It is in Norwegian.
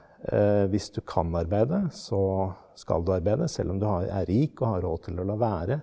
hvis du kan arbeide så skal du arbeide selv om du er rik og har råd til å la være.